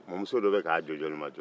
mɔmuso dɔ bɛ k'a jɔjɔlimajɔ